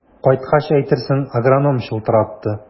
Кайткач әйтерсең, агроном чылтыратты.